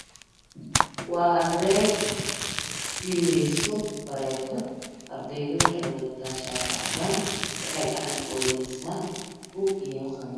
Waa arday dhiganayso bareefad, ardaydu waxay wadataa shaati cadaan ,waxay gacanta ku wada hasaa buug iyo qalin